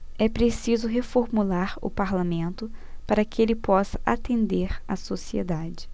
é preciso reformular o parlamento para que ele possa atender a sociedade